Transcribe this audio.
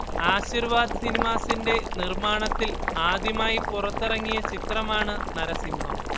ആശീർവാദ് സിനിമാസിന്റെ നിർമ്മാണത്തിൽ ആദ്യമായി പുറത്തിറങ്ങിയ ചിത്രമാണ് നരസിംഹം